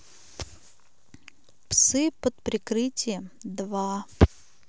псы под прикрытием два